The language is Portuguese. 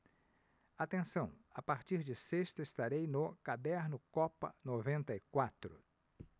atenção a partir de sexta estarei no caderno copa noventa e quatro